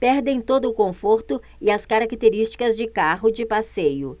perdem todo o conforto e as características de carro de passeio